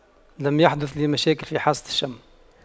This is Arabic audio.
لم يحدث لي مشاكل في حاسة الشم